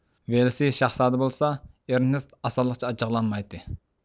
ۋىلسېي شاھزادە بولسا ئېرنېست ئاسانلىقچە ئاچچىقلانمايتتى